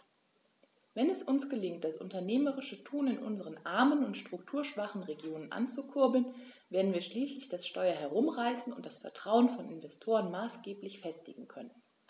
Wenn es uns gelingt, das unternehmerische Tun in unseren armen und strukturschwachen Regionen anzukurbeln, werden wir schließlich das Steuer herumreißen und das Vertrauen von Investoren maßgeblich festigen können.